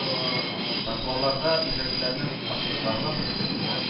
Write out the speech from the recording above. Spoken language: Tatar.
Подвалларда яшәүчеләрнең, ашсызларның,